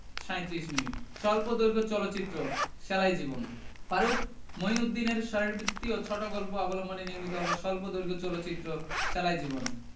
৩৭ minute স্বল্পদৈর্ঘ্য চলচ্চিত্র সেলাই জীবন ফারুক মইনউদ্দিনের শরীরবৃত্তীয় ছোট গল্প অবলম্বনে নির্মিত হল স্বল্পদৈর্ঘ্য চলচ্চিত্র সেলাই জীবন